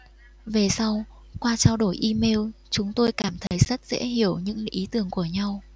về sau qua trao đổi email chúng tôi cảm thấy rất dễ hiểu những ý tưởng của nhau